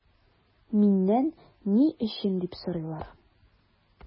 Миннән “ни өчен” дип сорыйлар.